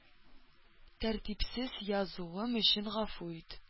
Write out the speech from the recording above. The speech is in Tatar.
Тәртипсез язуым өчен гафу ит.